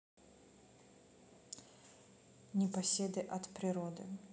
непоседы от природы